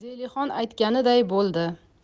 zelixon aytganiday bo'ldi